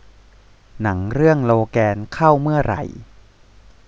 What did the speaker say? หนังเรื่องโลแกนเข้าเมื่อไหร่